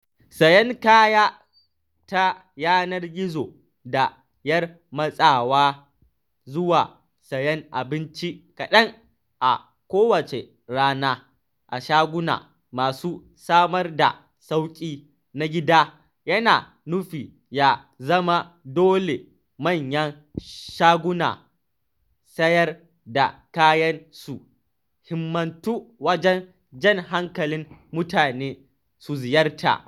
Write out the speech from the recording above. Sayan kaya ta yanar gizo da ‘yar matsawa zuwa sayan abinci kaɗan a kowace rana a shaguna masu samar da sauki na gida yana nufi ya zama dole manyan shagunan sayar da kayan su himmatu wajen jan hankalin mutane su ziyarta.